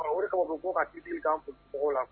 Wele tɔgɔ ko ka ci kanto mɔgɔw la